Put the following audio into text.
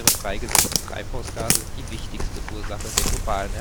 freigesetzten Treibhausgase die wichtigste Ursache der globalen